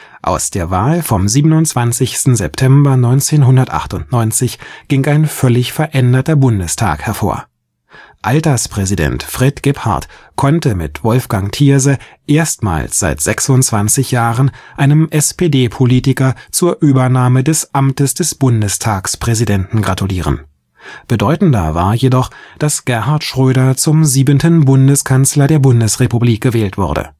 Aus der Wahl vom 27. September 1998 ging ein völlig veränderter Bundestag hervor. Alterspräsident Fred Gebhardt konnte mit Wolfgang Thierse erstmals seit 26 Jahren einem SPD-Politiker zur Übernahme des Amtes des Bundestagspräsidenten gratulieren. Bedeutender war jedoch, dass Gerhard Schröder zum siebten Bundeskanzler der Bundesrepublik gewählt wurde